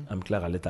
An bɛ tila k'ale ta